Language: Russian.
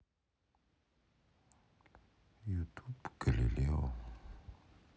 ютуб галилео